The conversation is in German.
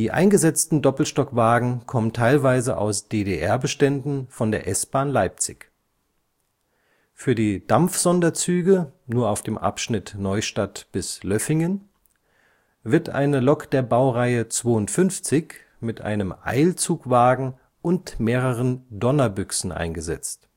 eingesetzten Doppelstockwagen kommen teilweise aus DDR-Beständen von der S-Bahn Leipzig. Für die Dampfsonderzüge (nur auf dem Abschnitt Neustadt – Löffingen) wird eine Lok der Baureihe 52 mit einem Eilzugwagen und mehreren Donnerbüchsen eingesetzt